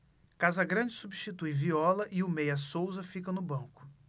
casagrande substitui viola e o meia souza fica no banco